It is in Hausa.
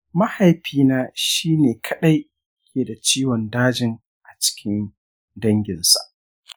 mahaifina shi ne kaɗai ke da ciwon dajin a cikin danginsa